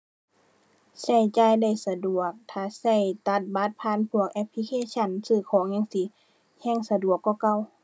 ใช้จ่ายได้สะดวก ถ้าใช้ตัดบัตรผ่านพวกแอปพลิเคชันซื้อของจั่งซี้ แฮ่งสะดวกกว่าเก่า